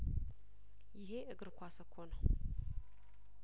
ይሄ እግር ኳስ እኮ ነው